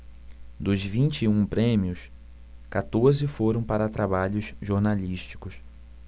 dos vinte e um prêmios quatorze foram para trabalhos jornalísticos